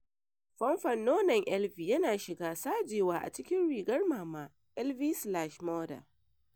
fumfon nonon Elvie yana shiga sajewa a ciki rigar mama (Elvie/Mother)